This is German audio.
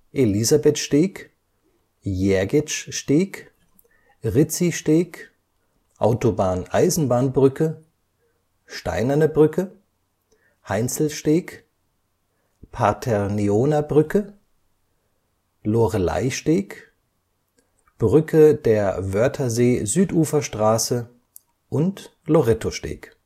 Elisabethsteg, Jergitschsteg, Rizzisteg, Autobahn-Eisenbahn-Brücke, Steinerne Brücke, Heinzelsteg, Paternioner Brücke, Loreleisteg (Radfahrsteg beim Minimundus), Brücke der Wörthersee Süduferstraße und Lorettosteg